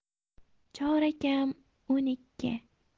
chorak kam o'n ikki